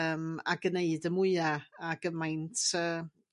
Yym a gneud y mwya a gymaint yy